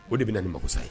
O de bɛna ni mago sa ye.